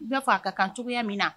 I n'a f a ka kan cogo min na.